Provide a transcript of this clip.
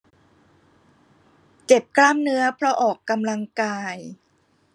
เจ็บกล้ามเนื้อเพราะออกกำลังกาย